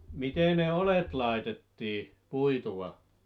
miten ne oljet laitettiin puitua